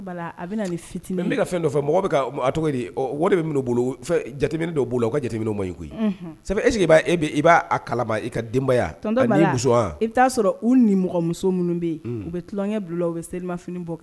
Cogo dɔw bolo ka jate koyi sabu e b' i b'a kala i ka denbaya i t'a sɔrɔ u ni mɔgɔ muso minnu bɛ u bɛ tulonkɛ bila u bɛ se fini bɔ